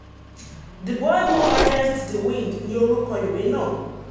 The Boy Who Harnessed the Wind ni orúkọ ìwé náà.